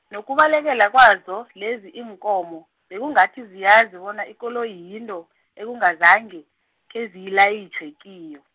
nokubaleka kwazo lezi iinkomo, bekungathi ziyazi bona ikoloyi yinto, ekungazange, khezilayitjhwe kiyo.